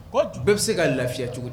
Ɔ tun bɛ se ka' lafiya cogo